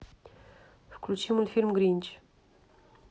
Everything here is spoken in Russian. включи мультфильм гринч